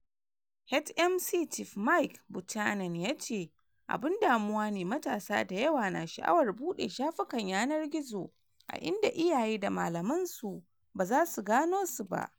HMC chief Mike Buchanan ya ce: “Abun damuwa ne matasa da yawa na sha’awar bude shafukan yanar gizo a inda iyaye da malaman su bazasu gano su ba.”